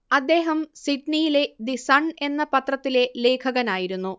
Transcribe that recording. അദ്ദേഹം സിഡ്നിയിലെ the Sun എന്ന പത്രത്തിലെ ലേഖകനായിരുന്നു